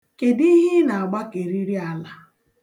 Kedụ ihe ị na-agbakeriri ala?